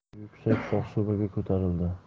yuksak shohsupaga ko'tarildi